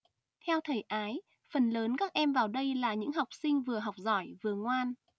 theo thầy ái phần lớn các em vào đây là những học sinh vừa học giỏi vừa ngoan